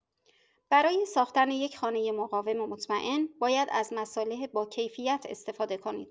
برای ساختن یک خانه مقاوم و مطمئن، باید از مصالح باکیفیت استفاده کنید.